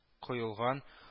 Коелган